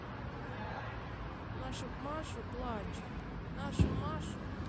наша маша плачет наша маша